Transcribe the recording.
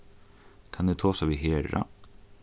kann eg tosa við hera